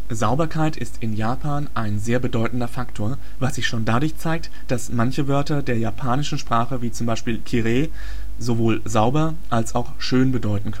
Sauberkeit ist in Japan ein sehr bedeutender Faktor, was sich schon dadurch zeigt, dass manche Wörter der japanischen Sprache, wie beispielsweise Kirei (奇麗, きれい), sowohl „ sauber “als auch „ schön “bedeuten können